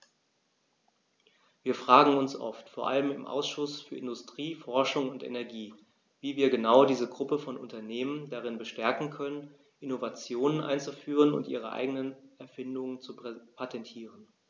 Wir fragen uns oft, vor allem im Ausschuss für Industrie, Forschung und Energie, wie wir genau diese Gruppe von Unternehmen darin bestärken können, Innovationen einzuführen und ihre eigenen Erfindungen zu patentieren.